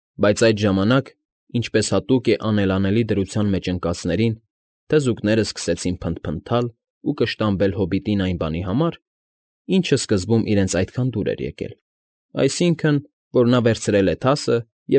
Բայց այդ ժամանակ, ինչպես հատուկ է անելանելի դրության մեջ ընկածներին, թզուկներն սկսեցին փնթփնթալ ու կշտամբել հոբիտին այն բանի համար, ինչն սկզբում իրենց այնքան դուր էր եկել, այսինքն՝ որ նա վերցրել է թասը և։